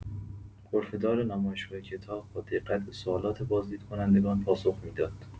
غرفه‌دار نمایشگاه کتاب با دقت به سوالات بازدیدکنندگان پاسخ می‌داد.